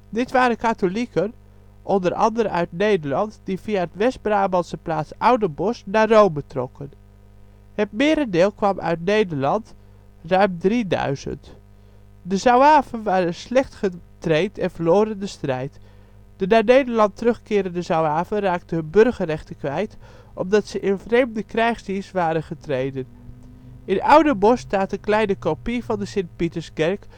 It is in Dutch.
Dit waren katholieken, onder andere uit Nederland, die via de West-Brabantse plaats Oudenbosch naar Rome trokken. Het merendeel kwam uit Nederland (ruim drieduizend). De Zouaven waren slecht getraind en verloren de strijd. De naar Nederland terugkerende Zouaven raakten hun burgerrechten kwijt, omdat ze in vreemde krijgsdienst waren getreden. In Oudenbosch staat een kleine kopie van de Sint-Pieterskerk